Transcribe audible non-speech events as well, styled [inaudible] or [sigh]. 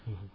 [hesitation] [hesitation]